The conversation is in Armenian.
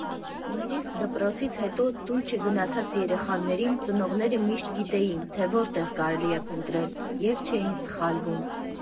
Նույնիսկ դպրոցից հետո տուն չգնացած երեխաներին ծնողները միշտ գիտեին, թե որտեղ կարելի է փնտրել և չէին սխալվում։